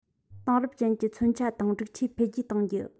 དེང རབས ཅན གྱི མཚོན ཆ དང སྒྲིག ཆས འཕེལ རྒྱས བཏང རྒྱུ